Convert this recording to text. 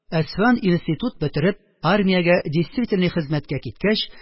Әсфан институт бетереп, армиягә – действительный хезмәткә киткәч